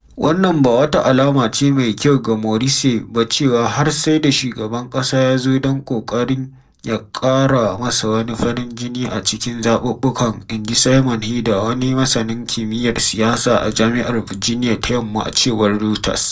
“Wannan ba wata alama ce mai kyau ga Morrisey ba cewa har sai da shugaban ƙasa ya zo don ƙoƙarin ya ƙara masa wani farin jini a cikin zaɓuɓɓukan,” inji Simon Haeder, wani masanin kimiyyar siyasa a Jami’ar Virginia ta Yamma, a cewar Reuters.